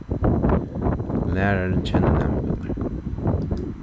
lærarin kennir næmingarnar